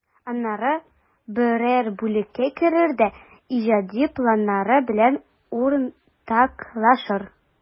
Аннары берәр бүлеккә керер дә иҗади планнары белән уртаклашыр.